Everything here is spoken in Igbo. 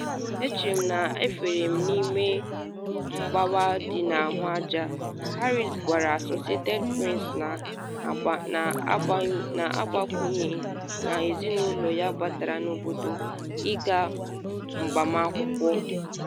Echere m na afanyere m n’ime mgbawa dị n’ahụ aja, Harris gwara Associated Press, na-agbakwunye n’ezinụlọ ya batara n’obodo ịga agbamakwụkwọ.